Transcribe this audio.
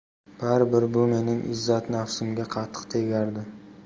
bari bir bu mening izzat nafsimga qattiq tegardi